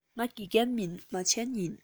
ང དགེ རྒན མིན མ བྱན ཡིན